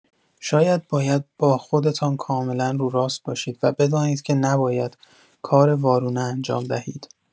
شما باید با خودتان کاملا روراست باشید و بدانید که نباید کار وارونه انجام دهید.